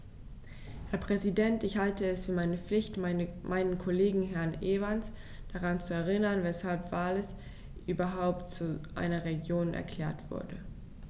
Herr Präsident, ich halte es für meine Pflicht, meinen Kollegen Herrn Evans daran zu erinnern, weshalb Wales überhaupt zu einer Region erklärt wurde.